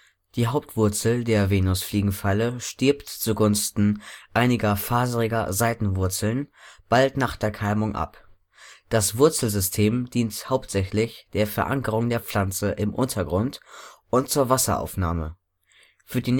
Die Hauptwurzel der Venusfliegenfalle stirbt zugunsten einiger faseriger Seitenwurzeln bald nach der Keimung ab. Das Wurzelsystem dient hauptsächlich der Verankerung der Pflanze im Untergrund und zur Wasseraufnahme; für die